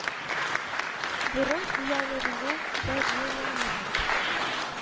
Борын үләнергә дә җыенамы бу